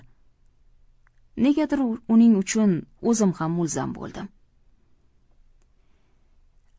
negadir uning uchun o'zim ham mulzam bo'ldim